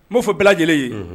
N b'o fɔ bɛɛ lajɛlen ye